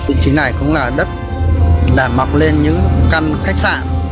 vị trí này cũng là đất để mọc lên những căn khách sạn